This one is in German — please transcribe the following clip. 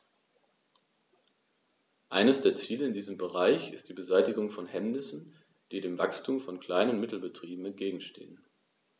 Eines der Ziele in diesem Bereich ist die Beseitigung von Hemmnissen, die dem Wachstum von Klein- und Mittelbetrieben entgegenstehen.